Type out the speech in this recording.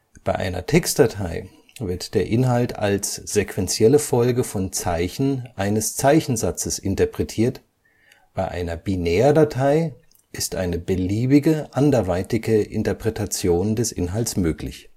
Bei einer Textdatei wird der Inhalt als sequenzielle Folge von Zeichen eines Zeichensatzes interpretiert, bei einer Binärdatei ist eine beliebige anderweitige Interpretation des Inhalts möglich